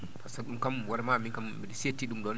par ce que ɗum kam vraiment min kam mbiɗaa seettii ɗum ɗoon